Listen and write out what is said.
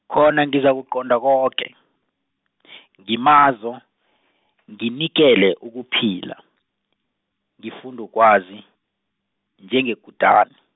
khona ngizakuqonda koke , ngumazo, nginikele ukuphila, ngifundukwazi, njengekutani.